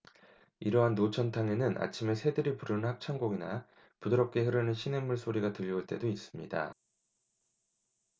이러한 노천탕에는 아침에 새들이 부르는 합창곡이나 부드럽게 흐르는 시냇물 소리가 들려올 때도 있습니다